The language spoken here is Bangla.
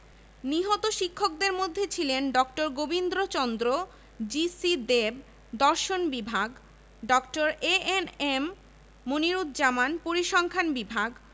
তিনি এর আগে ১৭ বছর লন্ডন বিশ্ববিদ্যালয়ের শিক্ষা রেজিস্ট্রার হিসেবে নিযুক্ত ছিলেন এবং কলকাতা বিশ্ববিদ্যালয় কমিশনের সদস্য ছিলেন ১৯০৫ সালে বঙ্গভঙ্গ কার্যকর হলে